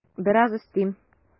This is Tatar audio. Бераз өстим.